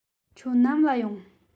ཁྱོད ནམ ལ ཡོང